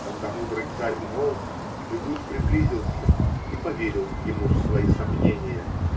Когда мудрый царь умолк, Эгуд приблизился и поверил ему свои сомнения.